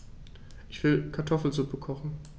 Ich will Kartoffelsuppe kochen.